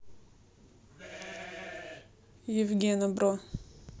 евгена бро